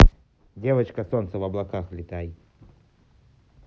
девочка солнце в облаках летай